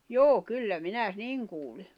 joo kyllä minä niin kuulin